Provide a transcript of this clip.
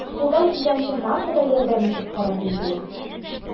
Кулдан килгәнчә Марфа да ярдәм итеп карар, билгеле.